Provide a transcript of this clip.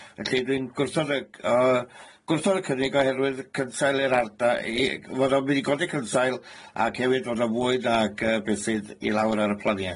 Felly, dwi'n gwrthod y c- o, gwrthod y cynnig oherwydd y cynsail i'r ardal, ei fod o'n mynd i godi cynsail, ac hefyd bod o'n fwy nag yy be' sydd i lawr ar y planie.